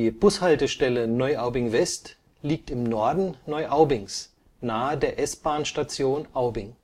Bushaltestelle Neuaubing West liegt im Norden Neuaubings, nahe der S-Bahn-Station Aubing